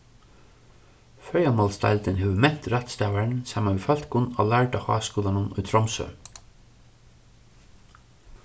føroyamálsdeildin hevur ment rættstavaran saman við fólkum á lærda háskúlanum í tromsø